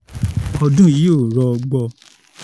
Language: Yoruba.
Ọdún yìí ò rọgbọ.